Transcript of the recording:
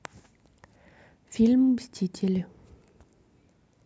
фильм мстители